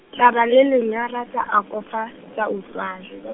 tlala le lenyora tsa akofa, tsa utlwala .